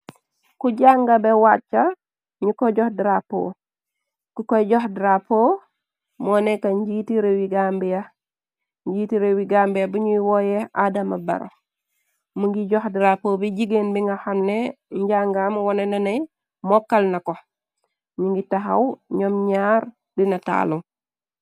Ku jangah beh waacha, nju kor jokh drapeau, kukoi jokh drapeau mor neka njjiti rewi Gambia, njjiti rewi Gambia bu njui woyeh adama barrow, mungy jokh drapeau bii gigain bi nga hamneh njaangam wohneh naneh mokal nakor, njungy takhaw njom njaar dii naatalu.